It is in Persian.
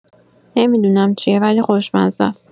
نمی‌دونم چیه ولی خوشمزس